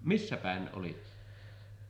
missä päin olitte